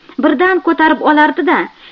birdan ko'tarib olardi da